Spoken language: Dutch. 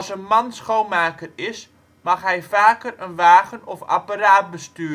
een man schoonmaker is mag hij vaker een wagen of apparaat besturen